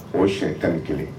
O sɛ 1 kelen